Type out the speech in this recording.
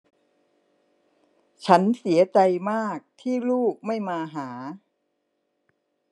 ฉันเสียใจมากที่ลูกไม่มาหา